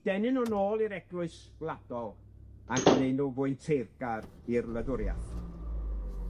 denu nw nôl i'r eglwys gwladol, a gneu' nw fwy'n teyrgar i'r wladwriath.